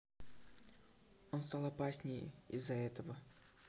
он станет опаснее из за этого